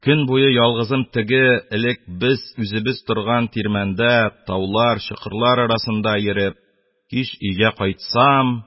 Көн буе ялгызым теге элек үзебез торган тирмәндә, таулар, чокырлар арасында йөреп, кич өйгә кайтсам